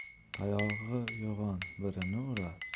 tayog'i yo'g'on birni urar